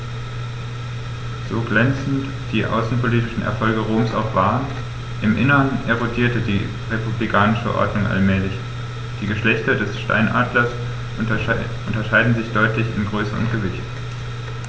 So glänzend die außenpolitischen Erfolge Roms auch waren: Im Inneren erodierte die republikanische Ordnung allmählich. Die Geschlechter des Steinadlers unterscheiden sich deutlich in Größe und Gewicht.